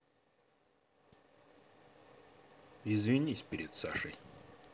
извинись перед сашей